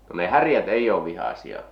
no ne härät ei ole vihaisia